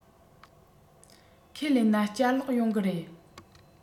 ཁས ལེན ན བསྐྱར ལོག ཡོང གི རེད